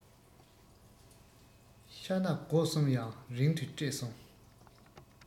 ཤྭ གནའ དགོ གསུམ ཡང རིང དུ བསྐྲད སོང